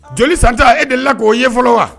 Joli san tan e delila k 'o ye fɔlɔ wa?